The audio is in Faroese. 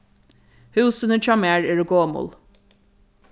húsini hjá mær eru gomul